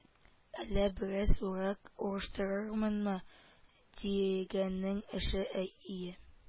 Әллә бераз урак урыштырырмынмы дигәннең эше әй ие